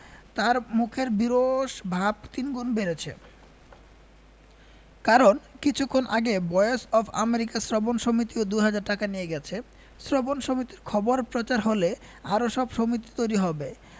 তাঁর মুখের বিরস ভাব তিনগুণ বেড়েছে কারণ কিছুক্ষণ আগে ভয়েস অব আমেরিকা শ্রবণ সমিতিও দু হাজার টাকা নিয়ে গেছে শ্রবণ সমিতির খবর প্রচার হলে আরো সব সমিতি তৈরি হবে